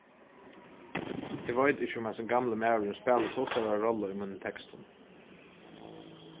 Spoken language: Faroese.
eg veit ikki um hasin gamli maðurin spælir so stóra rollu í mínum tekstum